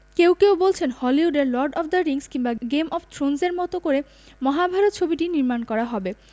কেউ কেউ বলছেন হলিউডের লর্ড অব দ্য রিংস কিংবা গেম অব থ্রোনস এর মতো করে মহাভারত ছবিটি নির্মাণ করা হবে